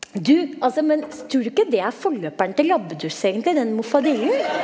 du altså men tror du ikke det er forløperne til Labbetuss egentlig den Moffedillen?